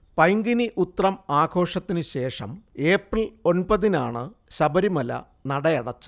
പൈങ്കുനി ഉത്രം ആഘോഷത്തിനുശേഷം ഏപ്രിൽ ഒൻപതിനാണ് ശബരിമല നടയടച്ചത്